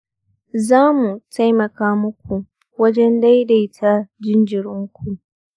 za mu taimaka muku wajen dai-daita jinjirin ku